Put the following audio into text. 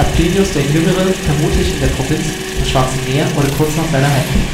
Plinius der Jüngere vermutlich in der Provinz am Schwarzen Meer oder kurz nach seiner Heimkehr